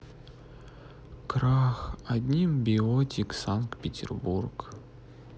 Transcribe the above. крах одним биотик санкт петербург